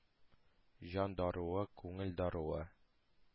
Җан даруы, күңел даруы.